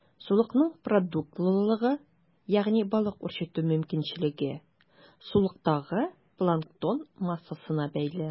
Сулыкның продуктлылыгы, ягъни балык үрчетү мөмкинчелеге, сулыктагы планктон массасына бәйле.